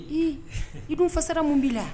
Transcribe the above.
Ee i dun fosara min b'i la